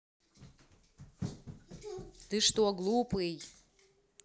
ты что глупый